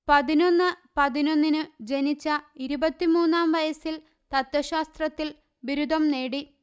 പതിനൊന്ന് പതിനൊന്നിനു ജനിച്ച ഇരുപത്തിമൂന്നാം വയസിൽ തത്വശാസ്ത്രത്തിൽ ബിരുദം നേടി